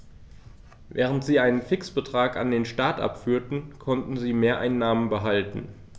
Während sie einen Fixbetrag an den Staat abführten, konnten sie Mehreinnahmen behalten.